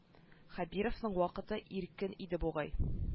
Хәбировның вакыты иркен иде бугай